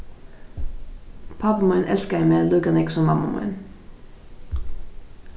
pápi mín elskaði meg líka nógv sum mamma mín